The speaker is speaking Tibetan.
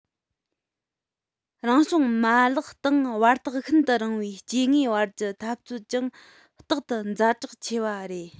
རང བྱུང མ ལག སྟེང བར ཐག ཤིན ཏུ རིང བའི སྐྱེ དངོས བར གྱི འཐབ རྩོད ཀྱང རྟག ཏུ ཛ དྲག ཆེ བ རེད